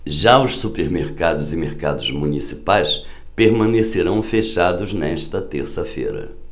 já os supermercados e mercados municipais permanecerão fechados nesta terça-feira